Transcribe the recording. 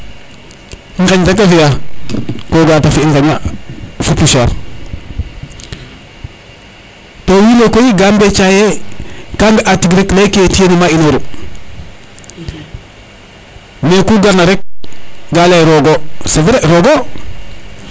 ŋeñ reka fiya ko ga a te fi ŋeñ fo poussiere to wiin we koy ga mbeeca ye ka nga a tig rek leyke ye kene ma inoru mais ku garna rek ga leye rogo c' est vrai :fdra rogo